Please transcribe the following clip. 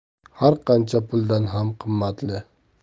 har qancha puldan ham qimmatli